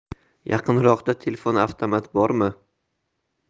yaqinroqda telefonavtomat bormi